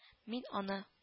Мин аны